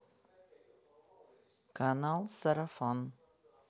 канал сарафан